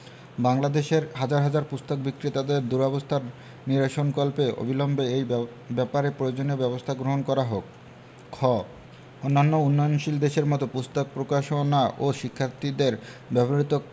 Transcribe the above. বাংলাদেশের হাজার হাজার পুস্তক বিক্রেতাদের দুরবস্থা নিরসনকল্পে অবিলম্বে এই ব্যাপারে প্রয়োজনীয় ব্যাবস্থা গ্রহণ করা হোক খ অন্যান্য উন্নয়নশীল দেশের মত পুস্তক প্রকাশনা ও শিক্ষার্থীদের ব্যবহৃত